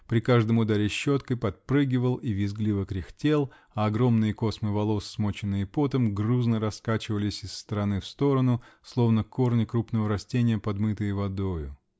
при каждом ударе щеткой подпрыгивал и визгливо кряхтел, а огромные космы волос, смоченные потом, грузно раскачивались из стороны в сторону, словно корни крупного растения, подмытые водою .